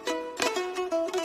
San